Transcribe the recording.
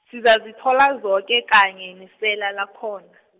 sizazithola zoke kanye, nesela lakhona.